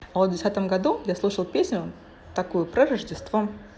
а вот десятом году я слушал песню такую про рождество